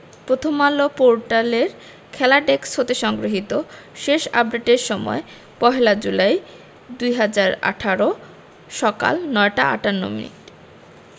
প্রথমআলো পোর্টালের খেলা ডেস্ক হতে সংগৃহীত শেষ আপডেটের সময় ১ জুলাই ২০১৮ সকাল ৯টা ৫৮মিনিট